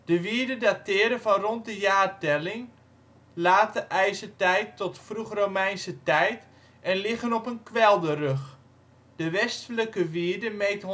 wierden dateren van rond de jaartelling (Late IJzertijd tot Vroeg-Romeinse tijd) en liggen op een kwelderrug. De westelijke wierde meet